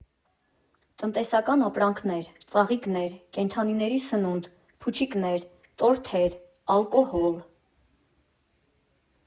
Տնտեսական ապրանքներ, ծաղիկներ, կենդանիների սնունդ, փուչիկներ, տորթեր, ալկոհոլ…